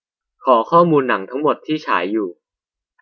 ขอข้อมูลหนังทั้งหมดที่ฉายอยู่